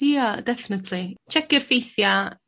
Ia definitely checio'r ffeithia